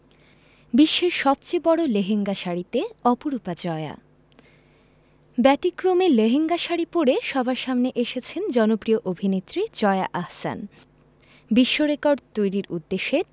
বিশ্বের সবচেয়ে বড় লেহেঙ্গা শাড়িতে অপরূপা জয়া ব্যতিক্রমী লেহেঙ্গা শাড়ি পরে সবার সামনে এসেছেন জনপ্রিয় অভিনেত্রী জয়া আহসান বিশ্বরেকর্ড তৈরির উদ্দেশ্যে